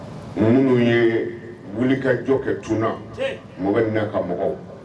Minnu ye wulikajɔ kɛ tun mɔgɔ min ka mɔgɔw